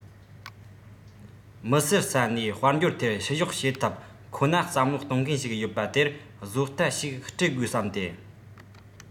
མི སེར ས ནས དཔལ འབྱོར ཐད བཤུ གཞོག བྱེད ཐབས ཁོ ན བསམ བློ གཏོང མཁན ཞིག ཡོད པ དེར བཟོ ལྟ ཞིག སྤྲད དགོས བསམས ཏེ